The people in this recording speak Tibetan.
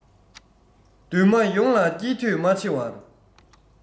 འདུན མ ཡོངས ལ སྐྱིད འདོད མ ཆེ བར